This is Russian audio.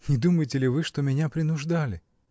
Не думаете ли вы, что меня принуждали?.